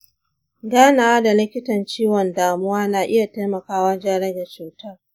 ganawa da likitan ciwon damuwa na iya taimakawa wajan rage cutar.